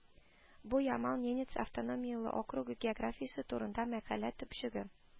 Бу Ямал-Ненец автономияле округы географиясе турында мәкалә төпчеге